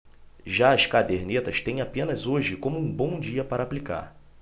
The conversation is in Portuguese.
já as cadernetas têm apenas hoje como um bom dia para aplicar